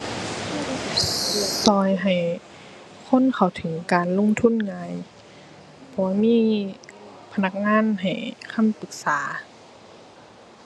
ช่วยให้คนเข้าถึงการลงทุนง่าย เพราะว่ามีพนักงานให้คำปรึกษา